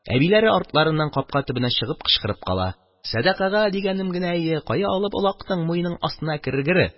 Әбиләре артларыннан капка төбенә чыгып кычкырып кала: «Сәдакага дигәнем генә ие, кая алып олактың, муеның астыңа кергере!»